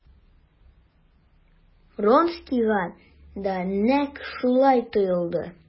Вронскийга да нәкъ шулай тоелды.